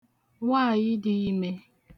nwaàyị̀diime